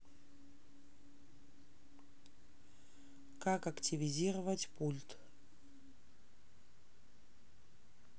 как активизировать пульт